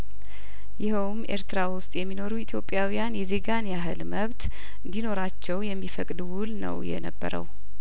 ይኸውም ኤርትራ ውስጥ የሚኖሩ ኢትዮጵያውያን የዜጋን ያህል መብት እንዲ ኖራቸው የሚፈቅድ ውል ነው የነበረው